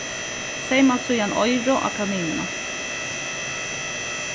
seyma síðan oyru á kaninina